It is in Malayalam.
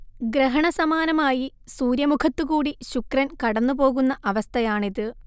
ഗ്രഹണസമാനമായി സൂര്യമുഖത്തുകൂടി ശുക്രൻ കടന്നുപോകുന്ന അവസ്ഥയാണിത്